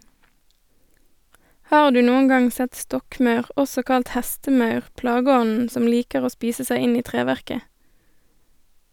Har du noen gang sett stokkmaur, også kalt hestemaur, plageånden som liker å spise seg inn i treverket?